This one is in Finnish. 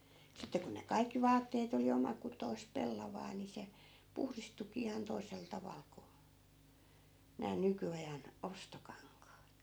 sitten kun ne kaikki vaatteet oli omakutoista pellavaa niin se puhdistuikin ihan toisella tavalla kuin nämä nykyajan ostokankaat